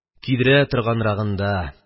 Көйдерә торганрагын да